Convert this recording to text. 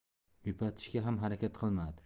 yupatishga ham harakat qilmadi